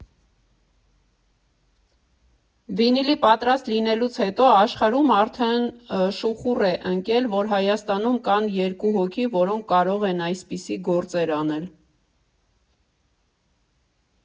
Վինիլի պատրաստ լինելուց հետո աշխարհում արդեն շուխուռ է ընկել, որ Հայաստանում կան երկու հոգի, որոնք կարող են այսպիսի գործեր անել։